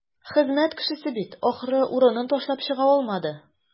Хезмәт кешесе бит, ахры, урынын ташлап чыга алмады.